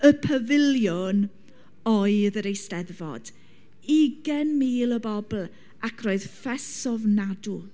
Y pafiliwn oedd yr Eisteddfod ugain mil o bobl ac roedd ffys ofnadwy.